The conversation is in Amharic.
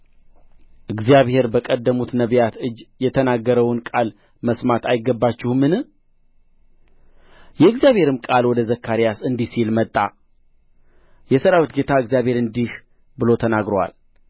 እግዚአብሔር በቀደሙት ነቢያት እጅ የተናገረውን ቃል መስማት አይገባችሁምን የእግዚአብሔርም ቃል ወደ ዘካርያስ እንዲህ ሲል መጣ የሠራዊት ጌታ እግዚአብሔር እንዲህ ብሎ ተናግሮአል